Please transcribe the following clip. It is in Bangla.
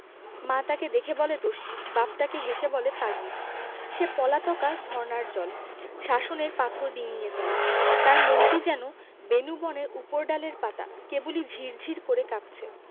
মা তাকে দেখে বলে দস্যি বাপ তাকে হেসে বলে পাগলি সে পলাতকা ঝরনার জল শাসনের পাথর ডিঙ্গিয়ে চলে তার মনটি যেন বেনূবনের উপরডালের পাতা কেবলি ঝির ঝির করে কাঁপছে